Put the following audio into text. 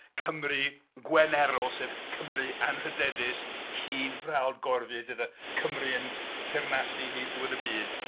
Kymry generawl sef Cymru anrhydeddus "hyt vrawt gorfyd". Fydd y Cymry yn teyrnasu hyd ddiwedd y byd.